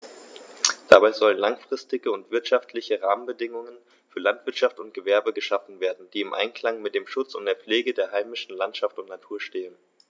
Dabei sollen langfristige und wirtschaftliche Rahmenbedingungen für Landwirtschaft und Gewerbe geschaffen werden, die im Einklang mit dem Schutz und der Pflege der heimischen Landschaft und Natur stehen.